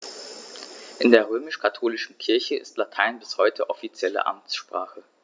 In der römisch-katholischen Kirche ist Latein bis heute offizielle Amtssprache.